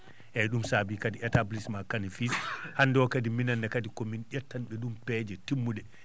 eeyi ɗum saabi kadi établissement Kane et fils hannde o kadi minenne kadi komin ƴettanɓe ɗum peeje timmuɗe